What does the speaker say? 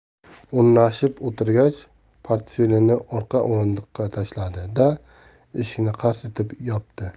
o'rnashib o'tirgach portfelini orqa o'rindiqqa tashladi da eshikni qars etib yopdi